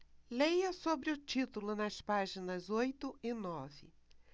leia sobre o título nas páginas oito e nove